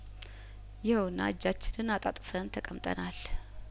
ይኸውና እጃችንን አጣጥፈን ተቀምጠናል